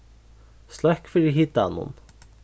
sløkk fyri hitanum